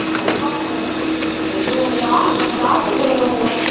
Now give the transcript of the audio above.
thấy cũng khó khăn dữ lắm sương gió mưa gió cũng đi luôn nữa